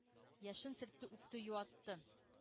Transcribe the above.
Яшен сөртте, үпте, юатты.